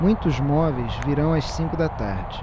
muitos móveis virão às cinco da tarde